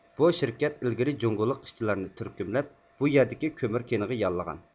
بۇ شىركەت ئىلگىرى جۇڭگولۇق ئىشچىلارنى تۈركۈملەپ بۇ يەردىكى كۆمۈر كېنىغا ياللىغان